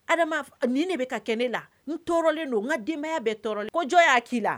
Adama nin ne bɛ ka kɛ ne la n tɔɔrɔlen don n ka denbayaya bɛɛ tɔɔrɔlen ko jɔn y'a k'i la